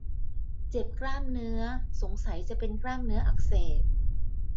เจ็บกล้ามเนื้อสงสัยจะเป็นกล้ามเนื้ออักเสบ